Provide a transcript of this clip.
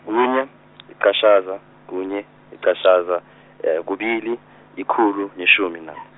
kunye icashaza kunye icashaza kubili yikhulu neshumi nane.